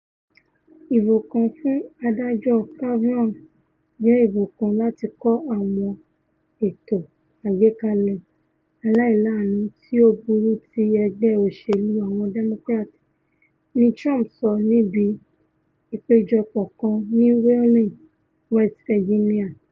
Ìbò kan fún Adájọ́ Kavanaugh jẹ́ ìbò kan láti kọ àwọn ètò agbékalẹ̀ aláìláàánú tí ó burú ti Ẹgbé Òṣèlú Àwọn Democrat,'' ni Trump sọ níbi ìpéjọpọ̀ kan ní Wheeling, West Virginia.